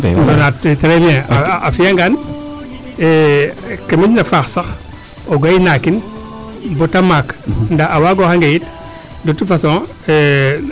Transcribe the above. ndonaat tres bien a fiya ngaan ke moƴna faax sax o gay naakin bata maak ndaa wagooxa nge yit de tout facon